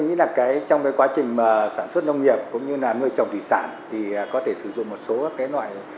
nghĩ là cái trong cái quá trình mà sản xuất nông nghiệp cũng như là nuôi trồng thủy sản thì có thể sử dụng một số cái loại